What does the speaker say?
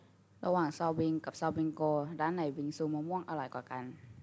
ระหว่างซอลบิงกับซอบิงโกร้านไหนบิงซูมะม่วงอร่อยกว่ากัน